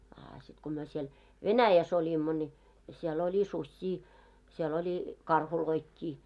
a sitten kun me siellä Venäjässä olimme niin siellä oli susia siellä oli karhujakin